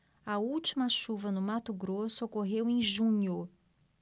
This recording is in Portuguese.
a última chuva no mato grosso ocorreu em junho